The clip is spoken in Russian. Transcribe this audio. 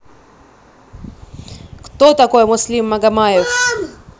кто такой муслим магомаев